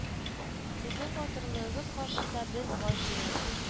Сезнең батырлыгыгыз каршында без баш иябез